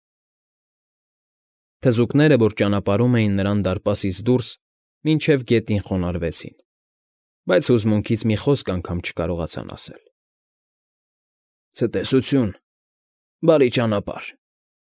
Թզուկները, որ ճանապարհում էին նրան դարպասից դուրս, մինչև գետին խոնարհվեցին, բայց հուզմունքից մի խոսք անգամ չկարողացան ասել։ ֊ Ցտեսություն, բարի ճանապարհ,